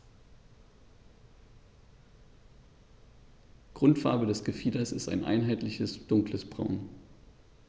Grundfarbe des Gefieders ist ein einheitliches dunkles Braun.